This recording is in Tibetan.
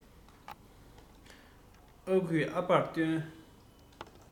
ཨ ཁུས ཨ ཕར སྟོན